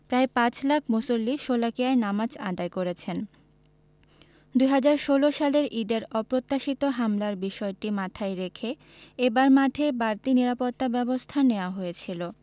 প্রায় পাঁচ লাখ মুসল্লি শোলাকিয়ায় নামাজ আদায় করেছেন ২০১৬ সালের ঈদের অপ্রত্যাশিত হামলার বিষয়টি মাথায় রেখে এবার মাঠে বাড়তি নিরাপত্তাব্যবস্থা নেওয়া হয়েছিল